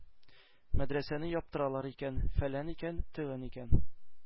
Мәдрәсәне яптыралар икән, фәлән икән, төгән икән!